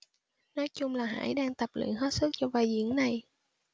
nói chung là hải đang tập luyện hết sức cho vai diễn này